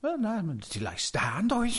Yym na, da ti lais da, yn does?